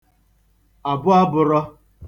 àbụabụ̄rọ